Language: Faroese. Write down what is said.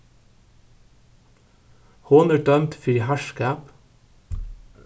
hon er dømd fyri harðskap